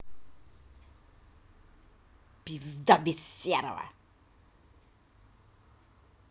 пизда без серова